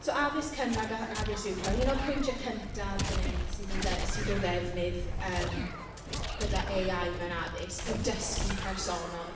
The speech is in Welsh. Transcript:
So addysg cynradd a addysg uwchradd. Un o pwyntiau cyntaf fan hyn sydd yn dde- sydd o ddefnydd yym gyda AI mewn addysg yw dysgu personol.